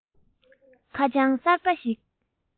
ཁ བྱང གསར པ ཞིག